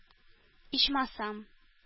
Ичмасам